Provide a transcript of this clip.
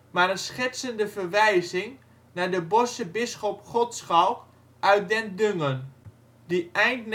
maar een schertsende verwijzing naar de Bossche bisschop Godschalk uit Den Dungen, die eind